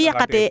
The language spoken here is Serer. i yaqate